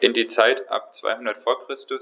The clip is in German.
In die Zeit ab 200 v. Chr.